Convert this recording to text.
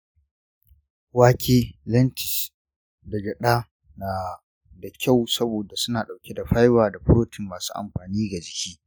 wake, lentils da gyada na da kyau saboda suna ɗauke da fiber da protein masu amfani ga jiki.